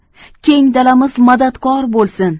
keng dalamiz madadkor bo'lsin